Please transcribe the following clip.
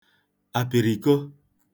àpìrìko